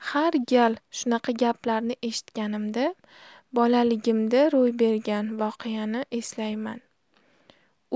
har gal shunaqa gaplarni eshitganimda bolaligimda ro'y bergan voqeani eslayman